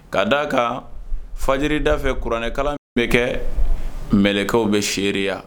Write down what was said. Ka' d' a kan faj da fɛ kuranɛkala min bɛ kɛ mkaw bɛ seereya